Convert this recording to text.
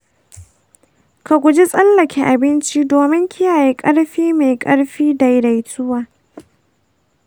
ka guji tsallake abinci domin kiyaye ƙarfi mai ƙarfi daidaituwa.